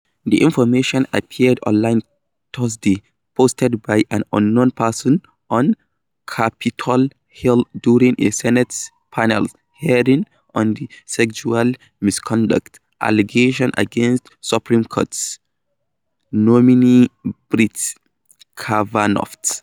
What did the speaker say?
The information appeared online Thursday, posted by an unknown person on Capitol Hill during a Senate panel's hearing on the sexual misconduct allegations against Supreme Court nominee Brett Kavanaugh.